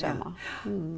ja ja.